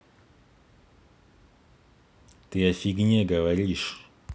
ты о фигне говоришь